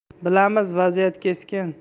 bilamiz vaziyat keskin